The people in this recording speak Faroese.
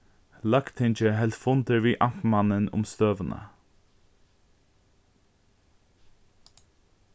løgtingið helt fundir við amtmannin um støðuna